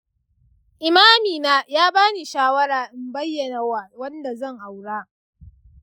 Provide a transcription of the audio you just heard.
imamina ya ba ni shawara in bayyana wa wanda zan aura.